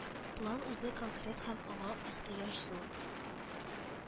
План үзе конкрет һәм аңа ихтыяҗ зур